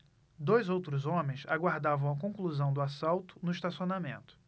dois outros homens aguardavam a conclusão do assalto no estacionamento